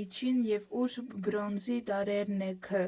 միջին և ուշ բրոնզի դարերն են՝ Ք.